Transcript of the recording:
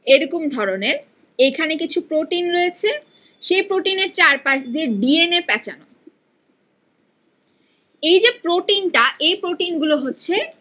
এরকম ধরনের এখানে কিছু প্রোটিন রয়েছে সে প্রোটিনের চারপাশ দিয়ে ডিএনএ প্যাঁচানো এ যে প্রোটিন টা এই প্রোটিনগুলো হচ্ছে